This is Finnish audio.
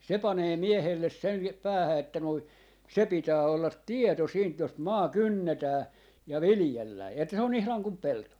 se panee miehelle sen päähän että noin se pitää olla tieto siitä jos maa kynnetään ja viljellään että se on ihan kuin pelto